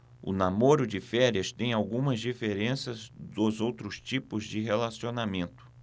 o namoro de férias tem algumas diferenças dos outros tipos de relacionamento